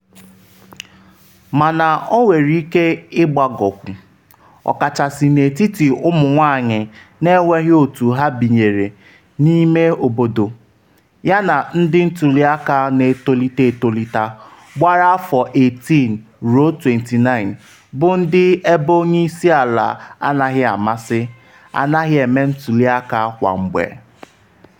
Mana ọ nwere ike ịgbagokwu ọkachasị n’etiti ụmụ-nwanyị n’enweghị otu ha binyere n’ime obodo yana ndị ntuli aka na-etolite etolite, gbara afọ 18- ruo 29-, bụ ndị ebe onye isi ala anaghị amasị, anaghị eme ntuli aka kwa mgbe.”